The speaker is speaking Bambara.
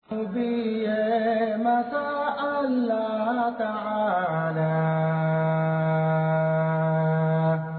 Maa miniyani mayan taa laban